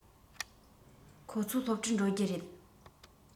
ཁོ ཚོ སློབ གྲྭར འགྲོ རྒྱུ རེད